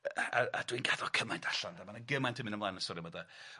A a a dwi'n cadw cymaint allan de, ma' 'na gymaint yn mynd ymlaen y stori 'ma de.